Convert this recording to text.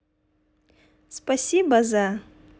спасибо за